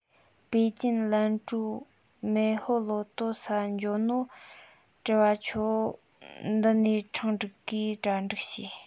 པེ ཅིན ལན ཀྲོའུ མེན ཧོ ལོ ཏུའུ ས འགྱོ ནོ འགྲུལ བ ཆོ འདི ནས འཕྲེང སྒྲིགས གས གྲ སྒྲིག བྱོས